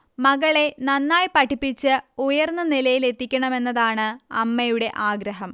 മകളെ നന്നായി പഠിപ്പിച്ച് ഉയർന്ന നിലയിലെത്തിക്കണമെന്നതാണ് അമ്മയുടെ ആഗ്രഹം